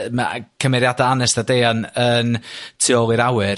Ma' cymderiada' Anest a Deian yn Tu ôl i'r Awyr